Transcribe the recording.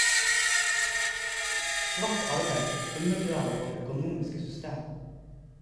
Svart arbeid undergraver vårt økonomiske system.